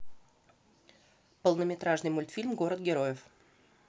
полнометражный мультфильм город героев